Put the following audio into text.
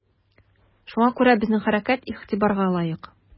Шуңа күрә безнең хәрәкәт игътибарга лаек.